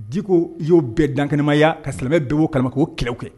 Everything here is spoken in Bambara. Diko y'o bɛɛ dankɛnɛmaya ka silamɛ bɛɛ b'o kalama k'o kɛlɛw kɛ